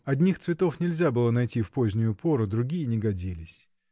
Одних цветов нельзя было найти в позднюю пору, другие не годились.